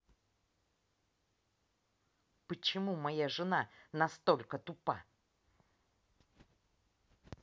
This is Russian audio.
почему моя жена настолько тупа